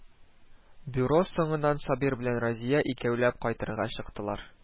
Бюро соңыннан Сабир белән Разия икәүләп кайтырга чыктылар